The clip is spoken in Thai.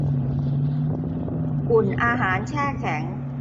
อุ่นอาหารแช่แข็ง